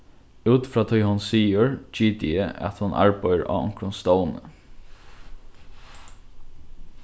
út frá tí hon sigur giti eg at hon arbeiðir á onkrum stovni